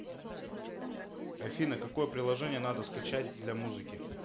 афина какое приложение надо скачать для музыки